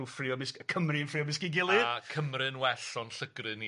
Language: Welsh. trwy ffruo ymysg y Cymry yn ffruo ymysg ei gilydd... A Cymru'n well o'n llygru ni....